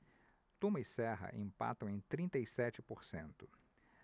tuma e serra empatam em trinta e sete por cento